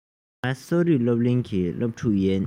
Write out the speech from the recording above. ཡིན ང གསོ རིག སློབ གླིང གི སློབ ཕྲུག ཡིན